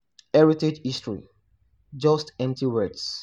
Heritage history—just empty words